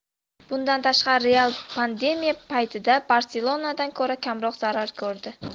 bundan tashqari real pandemiya paytida barselona dan ko'ra kamroq zarar ko'rdi